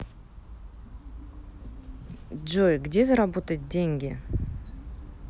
джой где заработать деньги